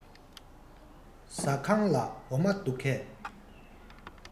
ཟ ཁང ལ འོ མ འདུག གས